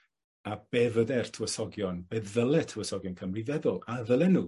A be' fydde'r tywysogion, be' ddyle tywysogion Cymru feddwl, a ddylen nw